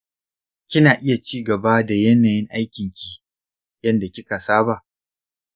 kina iya cigaba da yanayin aikinki yanda kika saba?